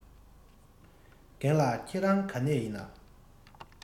རྒན ལགས ཁྱེད རང ག ནས ཡིན ན